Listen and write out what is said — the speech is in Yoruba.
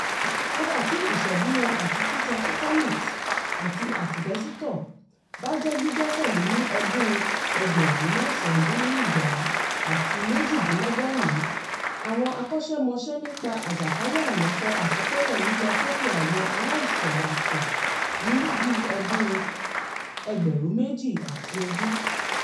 Kódà tí ìṣèdíwọ̀n àti títa Eternit àti àsìbẹ́sítọ̀ bá jẹ́ gbígbẹ́sẹ̀lé ní ọdún 1992,àwọn akọ́ṣẹ́mọṣẹ́ nípa àjàkálẹ̀-àrùn sọ àsọtẹ́lẹ̀ lílọ sókè àwọn aláìsàn akàn ní bíi ọdún 2020.